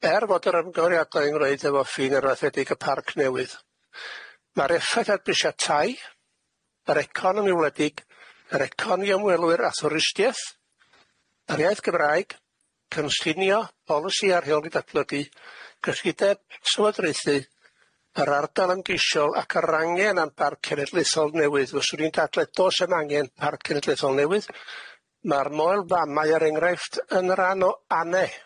Er fod yr ymgyngoriadau yn roid efo ffin yr wathedig y parc newydd, ma'r effaith adbwysiadau, yr economi wledig, yr economi ymwelwyr a thwristieth, yr iaith Gymraeg, cynshinio, bolisi ar heol i datblygu, gresideb sylwadraethu, yr ardal ymgeisiol ac yr angen am barc cenedlaethol newydd, fyswn i'n dadlau do's yn angen parc cenedlaethol newydd, ma'r moel famau er enghraifft yn ran o ane.